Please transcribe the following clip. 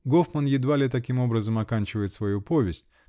Гофман едва ли таким образом оканчивает свою повесть